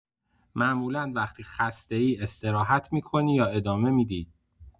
معمولا وقتی خسته‌ای استراحت می‌کنی یا ادامه می‌دی؟